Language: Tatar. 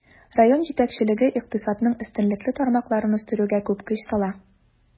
Район җитәкчелеге икътисадның өстенлекле тармакларын үстерүгә күп көч сала.